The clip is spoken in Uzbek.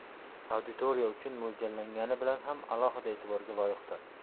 auditoriya uchun mo'ljallangani bilan ham alohida e'tiborga loyiqdir